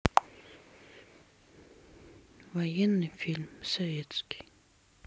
военный фильм советский